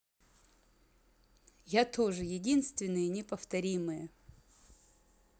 я тоже единственные неповторимые